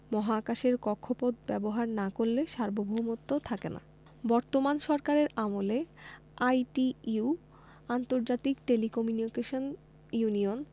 মহাকাশের কক্ষপথ ব্যবহার না করলে সার্বভৌমত্ব থাকে না বর্তমান সরকারের আমলে আইটিইউ আন্তর্জাতিক টেলিকমিউনিকেশন ইউনিয়ন